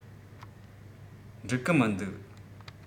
འགྲིག གི མི འདུག